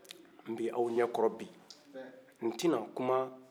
n bi aw ɲɛkɔrɔ bi n ti na kuma